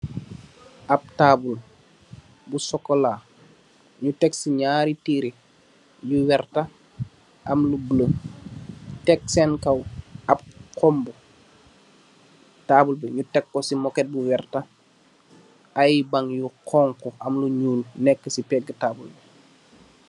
Ap tabul bu chocola la nyu tecksi naari tereh bu wertax am lu bulo teck sen kaw ap xombo tabul bu nu teck ko si muket bo wertah ay bang yu xonxa am lu nuul neka si pegi tabul bi.